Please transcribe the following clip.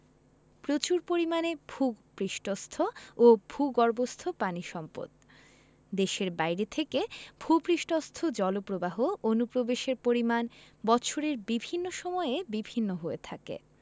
প্রচুর পরিমাণে ভূ পৃষ্ঠস্থ ও ভূগর্ভস্থ পানি সম্পদ দেশের বাইরে থেকে ভূ পৃষ্ঠস্থ জলপ্রবাহ অনুপ্রবেশের পরিমাণ বৎসরের বিভিন্ন সময়ে বিভিন্ন হয়ে থাকে